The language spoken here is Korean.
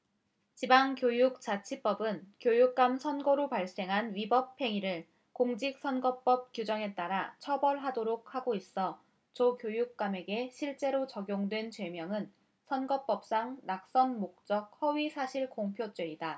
지방교육자치법은 교육감 선거로 발생한 위법행위를 공직선거법 규정에 따라 처벌하도록 하고 있어 조 교육감에게 실제로 적용된 죄명은 선거법상 낙선목적 허위사실공표죄다